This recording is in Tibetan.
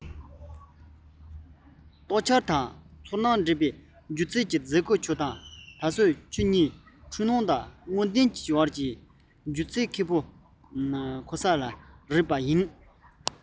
རྟོག འཆར དང ཚོར སྣང འདྲེས པའི སྒྱུ རྩལ གྱི མཛེས བཀོད བྱོས དང ད བཟོད ཁྱོད ཉིད འཁྲུལ སྣང དང དངོས བདེན བར གྱི སྒྱུ རྩལ མཁན པོའི གོ ས ལ རེག པ ཡིན ལ